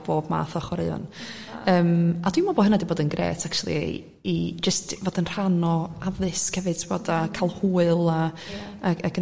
bob math o chwaraeon yym a dwi me'l bo' hynna 'di bod yn grêt actually i jyst fod yn rhan o addysg hefyd t'bod a ca'l hwyl a a